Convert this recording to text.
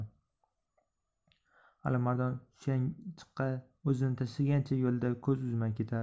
alimardon suyanchiqqa o'zini tashlagancha yo'ldan ko'z uzmay ketar